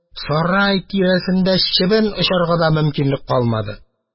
Сарай тирәсендә чебен очарга да мөмкинлек калмады.